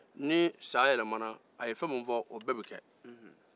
ni san yɛlɛmana a ye fɛn minnu fɔ o bɛɛ bɛ kɛ